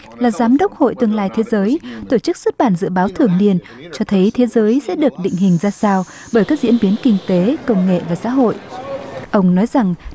là giám đốc hội tương lai thế giới tổ chức xuất bản dự báo thường niên cho thấy thế giới sẽ được định hình ra sao bởi các diễn biến kinh tế công nghệ và xã hội ông nói rằng